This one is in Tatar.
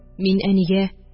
Мин әнигә